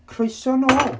croeso nôl!